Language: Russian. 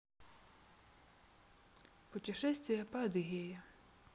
путешествие по адыгее